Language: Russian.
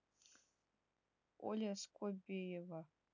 оля скобеева